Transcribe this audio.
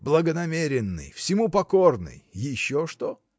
— Благонамеренный, всему покорный — еще что?